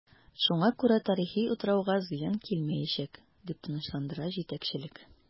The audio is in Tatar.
Шуңа күрә тарихи утрауга зыян килмиячәк, дип тынычландыра җитәкчелек.